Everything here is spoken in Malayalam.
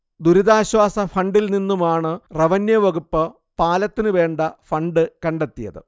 ദുരിതാശ്വാസ ഫണ്ടിൽനിന്നുമാണ് റവന്യു വകുപ്പ് പാലത്തിനുവേണ്ട ഫണ്ട് കണ്ടെത്തിയത്